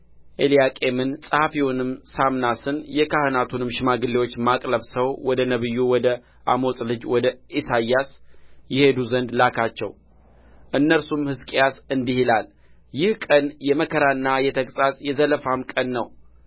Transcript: ኤልያቄምን ጸሐፊውንም ሳምናስን የካህናቱንም ሽማግሌዎች ማቅ ለብሰው ወደ ነቢዩ ወደ አሞጽ ልጅ ወደ ኢሳይያስ ይሄዱ ዘንድ ላካቸው እነርሱም ሕዝቅያስ እንዲህ ይላል ይህ ቀን የመከራና የተግሣጽ የዘለፋም ቀን ነው